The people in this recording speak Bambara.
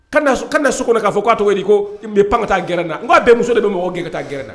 Ka na so kɔnɔ ka fɔ ka tɔgɔ bɛ di. ko n bɛ pan ka taa gɛrɛn na . N ka bɛɛ muso de bi mɔgɔ gɛn ka taa gɛrɛn na.